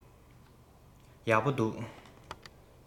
ཡག པོ འདུག